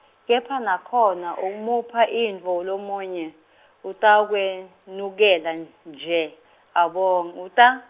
kepha nakhona umupha intfo lomunye, utawukwemukela n- nje, abong-, uta.